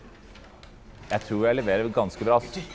jeg tror jeg leverer ganske bra altså.